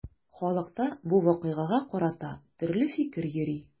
Халыкта бу вакыйгага карата төрле фикер йөри.